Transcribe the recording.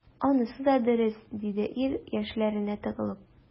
Анысы да дөрес,— диде ир, яшьләренә тыгылып.